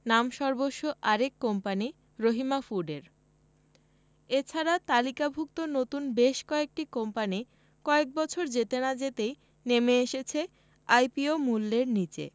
নামসর্বস্ব আরেক কোম্পানি রহিমা ফুডের এ ছাড়া তালিকাভুক্ত নতুন বেশ কয়েকটি কোম্পানি কয়েক বছর না যেতেই নেমে এসেছে আইপিও মূল্যের নিচে